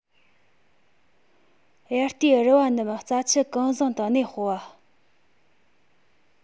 དབྱར དུས རུ བ རྣམས རྩྭ ཆུ གང བཟང དུ གནས སྤོ བ